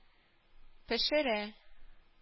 Пешерә